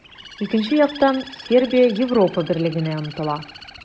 Икенче яктан, Сербия Европа Берлегенә омтыла.